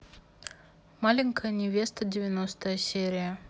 маленькая невеста девяностая серия